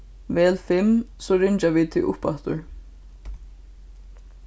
vel fimm so ringja vit teg uppaftur